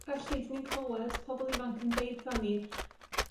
Felly dyn ni'n clywed pobl ifanc yn deud 'tha ni